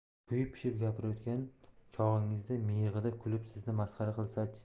kuyib pishib gapirayotgan chog'ingizda miyig'ida kulib sizni masxara qilsa chi